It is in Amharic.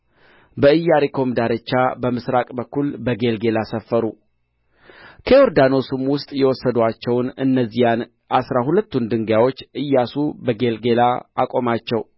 በኢያሪኮም ዳርቻ በምሥራቅ በኩል በጌልገላ ሰፈሩ ከዮርዳኖስም ውስጥ የወሰዱአቸውን እነዚያን አሥራ ሁለቱን ድንጋዮች ኢያሱ በጌልገላ አቆማቸው